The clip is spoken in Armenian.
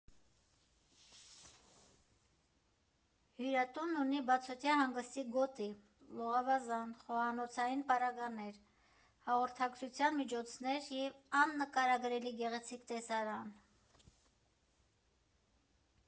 Հյուրատունն ունի բացօթյա հանգստի գոտի, լողավազան, խոհանոցային պարագաներ, հաղորդակցության միջոցներ և աննկարագրելի գեղեցիկ տեսարան։